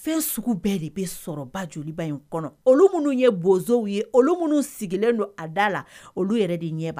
Fɛn sugu bɛɛ de bɛ sɔrɔba joliba in kɔnɔ olu minnu ye bonzow ye olu minnu sigilen don a da la olu yɛrɛ de ɲɛ b'